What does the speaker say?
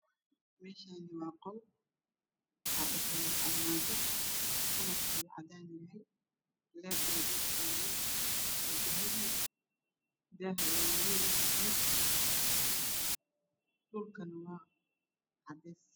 Meshan waa wol waxa dhexyalo armajo kalarked cadan yahay aya dhulka yalo daha waa madow io cades dhulkan waa cades